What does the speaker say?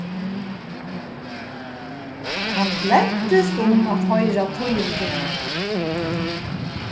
hann gleddist um at hoyra tíðindini